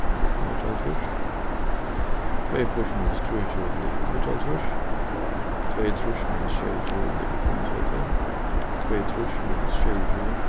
ligvið níggjuoghálvtrýss tveyogfýrs minus trýogtjúgu ligvið níggjuoghálvtrýss tveyogtrýss minus sjeyogtjúgu ligvið fimmogtretivu tveyogtrýss minus sjeyogtjúgu